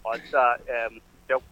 Walasasa